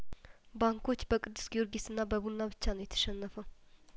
ባንኮች በቅዱስ ጊዮርጊስና በቡና ብቻ ነው የተሸነፈው